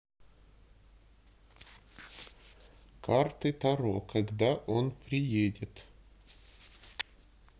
карты таро когда он приедет